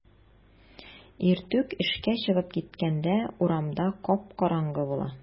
Иртүк эшкә чыгып киткәндә урамда кап-караңгы була.